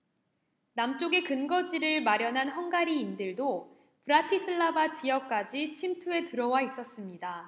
남쪽에 근거지를 마련한 헝가리인들도 브라티슬라바 지역까지 침투해 들어와 있었습니다